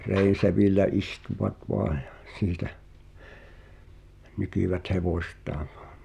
reisevillä istuivat vain ja siitä nykivät hevostaan